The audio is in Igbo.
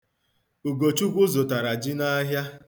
Ugochukwu zụtara ji n'ahịa.